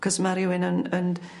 'C'os ma' rywun yn yn